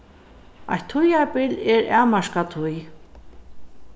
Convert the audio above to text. eitt tíðarbil er avmarkað tíð